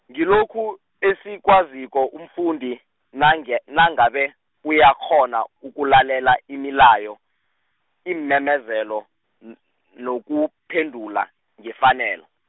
ngilokhu esikwaziko umfundi, nange nangabe, uyakghona ukulalela imilayo, iimemezelo n- nokuphendula ngefanelo.